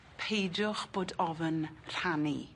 Peidiwch bod ofyn rhannu.